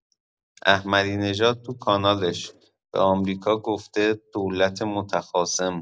احمدی‌نژاد تو کانالش، به آمریکا گفته دولت متخاصم.